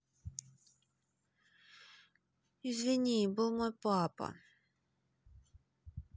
извини был мой папа